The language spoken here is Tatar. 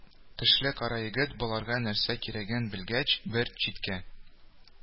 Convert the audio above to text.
Тешле кара егет, боларга нәрсә кирәген белгәч, бер читкә